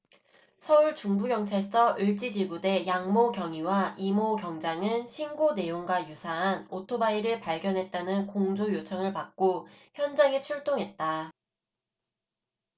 서울중부경찰서 을지지구대 양모 경위와 이모 경장은 신고 내용과 유사한 오토바이를 발견했다는 공조 요청을 받고 현장에 출동했다